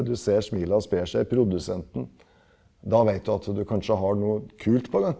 du ser smila sprer seg produsenten, da veit du at du kanskje har noe kult på gang.